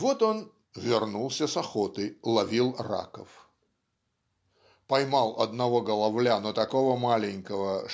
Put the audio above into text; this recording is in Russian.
Вот он "вернулся с охоты: ловил раков". "Поймал одного головля но такого маленького